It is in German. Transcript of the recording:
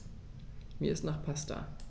Mir ist nach Pasta.